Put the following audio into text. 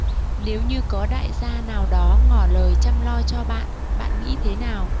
nếu như có đại gia nào đó ngỏ lời chăm lo cho bạn bạn nghĩ thế nào